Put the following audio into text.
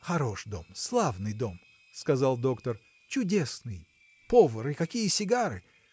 – Хороший дом, славный дом, – сказал доктор, – чудесный. повар и какие сигары!